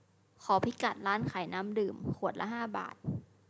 ขอพิกัดร้านขายน้ำดื่มขวดละห้าบาท